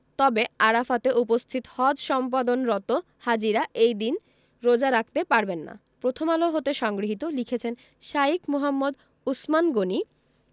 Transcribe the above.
তবে আরাফাতে উপস্থিত হজ সম্পাদনরত হাজিরা এই দিন রোজা রাখতে পারবেন না প্রথমআলো হতে সংগৃহীত লিখেছেন শাঈখ মুহাম্মদ উছমান গনী